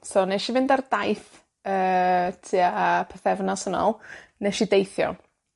So, wnesh i fynd ar daith yy tua pythefnos yn ôl, nesh i deithio.